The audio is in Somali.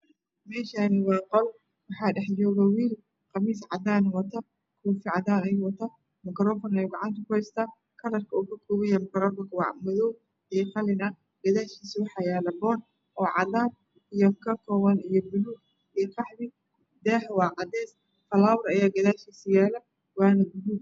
Meeshani waa qol waxaa dhex jooga wiil khamiis cadaana wata khamiis cadaana ayuu wataa ma karofan ayuu gacanta ku haystaa kaladhka uu kakoban yahay makarofanku waa madow iyo qalin ah gadashiisa waxaa yalaa boodh oo cadaan ah io kakoban guduud io iqaxwishaahu waa cadays falawar ayaaa gadashiisa yaala waana guduud